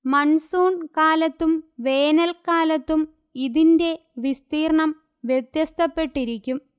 monsoon കാലത്തും വേനൽക്കാലത്തും ഇതിന്റെ വിസ്തീർണ്ണം വ്യത്യസ്തപ്പെട്ടിരിക്കും